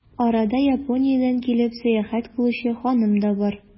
Арада, Япониядән килеп, сәяхәт кылучы ханым да бар.